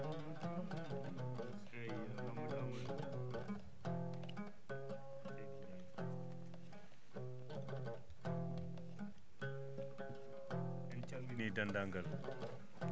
eeyi * en camininii denndaagal